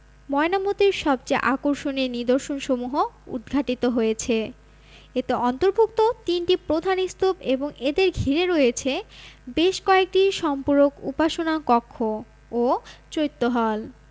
ময়নামতীর সবচেয়ে আকর্ষণীয় নিদর্শনসমূহ উদ্ঘাটিত হয়েছে এতে অন্তর্ভুক্ত তিনটি প্রধান স্তূপ এবং এদের ঘিরে রয়েছে বেশ কয়েকটি সম্পূরক উপাসনা কক্ষ ও চৈত্য হল